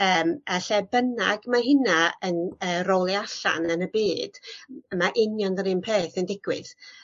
yym a lle bynnag ma' hynna yn yy rolio allan yn y byd ma' union yr un peth yn digwydd